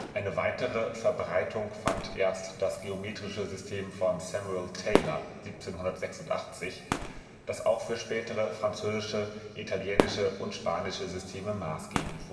Eine weitere Verbreitung fand erst das geometrische System von Samuel Taylor (1786), das auch für spätere französische, italienische und spanische Systeme maßgebend